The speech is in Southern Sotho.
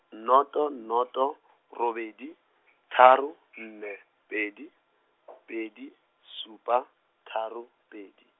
noto noto, robedi tharo, nne pedi , pedi, supa, tharo pedi.